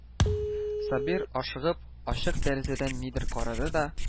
Сабир, ашыгып, ачык тәрәзәдән нидер карады да: